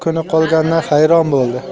ko'na qolganidan hayron bo'ldi